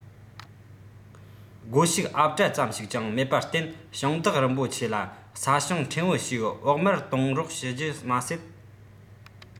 སྒོ ཕྱུགས ཨབ བྲ ཙམ ཞིག ཀྱང མེད པར བརྟེན ཞིང བདག རིན པོ ཆེ ལ ས ཞིང ཕྲན བུ ཞིག བོགས མར གཏོང རོགས ཞུ རྒྱུ མ ཟད